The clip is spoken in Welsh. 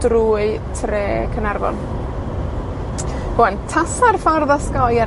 drwy tre Caernarfon. Ŵan, tasa'r ffordd osgoi ar